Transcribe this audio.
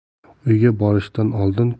uyga borishdan oldin